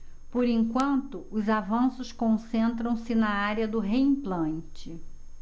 por enquanto os avanços concentram-se na área do reimplante